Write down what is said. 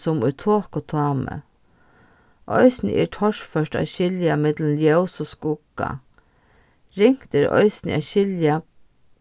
sum í tokutámi eisini er torført at skilja millum ljós og skugga ringt er eisini at skilja